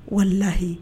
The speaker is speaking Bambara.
Walahi